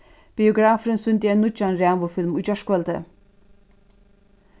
biografurin sýndi ein nýggjan ræðufilm í gjárkvøldið